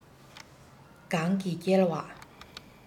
གང གིས བསྐྱལ བ